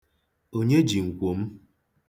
Onye ji nkwo m?